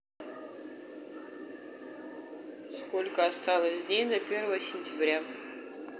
сколько осталось дней до первого сентября